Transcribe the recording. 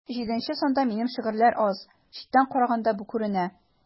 Җиденче санда минем шигырьләр аз, читтән караганда бу күренә.